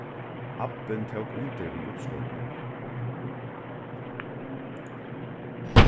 abbin tók undir við uppskotinum